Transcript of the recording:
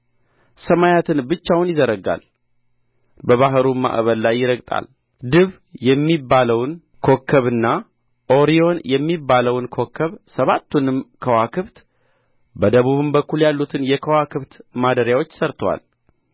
ሰማያትን ብቻውን ይዘረጋል በባሕሩም ማዕበል ላይ ይረግጣል ድብ የሚባለውን ኮከብና ኦሪዮን የሚባለውን ኮከብ ሰባቱንም ከዋክብት በደቡብም በኩል ያሉትን የከዋክብት ማደርያዎች ሠርቶአል